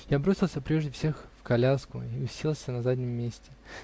Я бросился прежде всех в коляску и уселся на заднем месте.